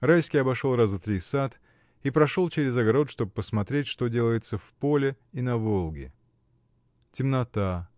Райский обошел раза три сад и прошел через огород, чтоб посмотреть, что делается в поле и на Волге. Темнота.